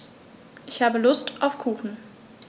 Ich habe Lust auf Kuchen.